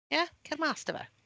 Ie? Cer mas 'da fe.